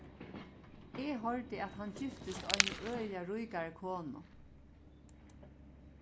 eg hoyrdi at hann giftist eini øgiliga ríkari konu